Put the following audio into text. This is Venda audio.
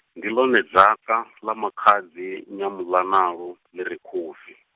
ndi ḽone Dzaṱa, ḽa makhadzi Nyamuḽanalo, ḽi re Khubvi.